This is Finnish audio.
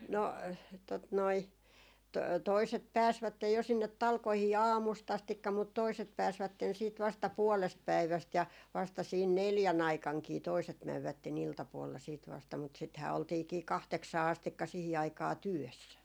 no tuota noin - toiset pääsivät jo sinne talkoisiin aamusta asti mutta toiset pääsivät sitten vasta puolesta päivästä ja vasta siinä neljän aikanakin toiset menivät iltapuolella sitten vasta mutta sitähän oltiinkin kahdeksaan asti siihen aikaa työssä